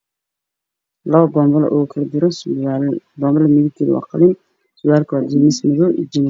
Labo boombale oo kujiro surwaal boobalada midabkeedu waa qalin surwaalkana waa jenis madow iyo jenis buluug